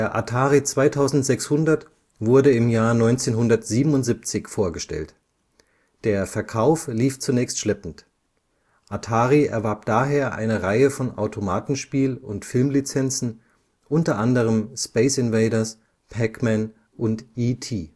Atari 2600 wurde 1977 vorgestellt. Der Verkauf lief zunächst schleppend. Atari erwarb daher eine Reihe von Automatenspiel - und Filmlizenzen, u. a. Space Invaders, Pac-Man und E.T